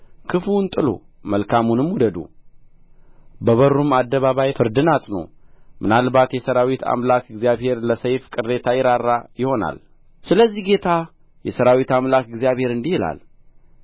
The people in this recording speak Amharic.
ክፉውን ጥሉ መልካሙንም ውደዱ በበሩም አደባባይ ፍርድን አጽኑ ምናልባት የሠራዊት አምላክ እግዚአብሔር ለዮሴፍ ቅሬታ ይራራ ይሆናል ስለዚህ ጌታ የሠራዊት አምላክ እግዚአብሔር እንዲህ ይላል